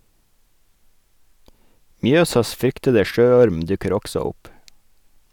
Mjøsas fryktede sjøorm dukker også opp.